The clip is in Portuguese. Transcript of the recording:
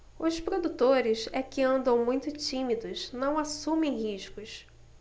os produtores é que andam muito tímidos não assumem riscos